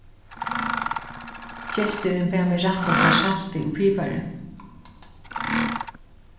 gesturin bað meg rætta sær saltið og piparið